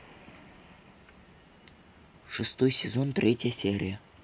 шестой сезон третья серия